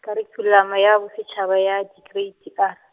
kharikhulamo ya Bosetšhaba ya Dikereiti R.